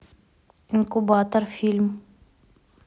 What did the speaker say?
инкубатор фильм